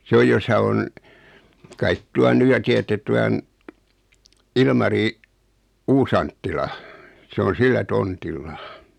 se on jossa on kai tuon nyt ja tiedätte tuon Ilmari Uusi-Anttilan se on sillä tontilla